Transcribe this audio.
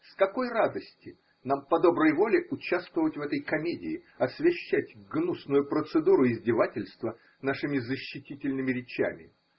С какой радости нам по доброй воле участвовать в этой комедии, освящать гнусную процедуру издевательства нашими защитительными речами?